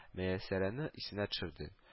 Мәяссәрәне исенә төшерде